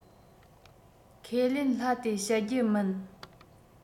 ཁས ལེན སླ དེ བཤད རྒྱུ མིན